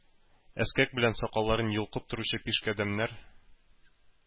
Эскәк белән сакалларын йолкып торучы пишкадәмнәр,